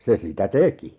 se sitä teki